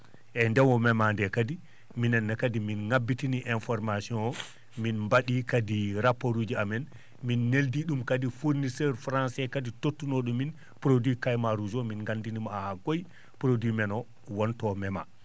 eeyi nde o memaa ndee kadi minen ne kadi min ?abbitinii information o min mba?ii kadi rapport uji amen min neldii ?um kadi founisseur français kadi tottunoo?o min produit caiman rouge min nganndini mo ahan koyi produit men o won to o memaa